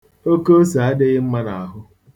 Oke ose adịghị mma n'ahụ.